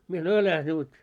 minä sanoin äläs nyt